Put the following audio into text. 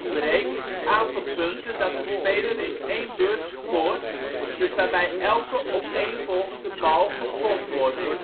break is het aantal punten dat een speler in één beurt scoort, dus waarbij elke opeenvolgende bal gepot wordt